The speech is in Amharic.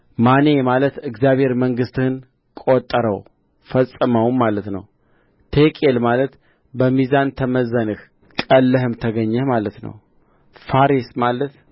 ማኔ ማለት እግዚአብሔር መንግሥትህን ቈጠረው ፈጸመውም ማለት ነው ቴቄል ማለት በሚዛን ተመዘንህ ቀልለህም ተገኘህ ማለት ነው ፋሬስ ማለት